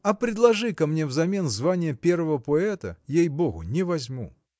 а предложи-ка мне взамен звание первого поэта, ей-богу, не возьму!